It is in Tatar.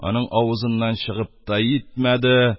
Аның авызыннан чыгып та йитмәде,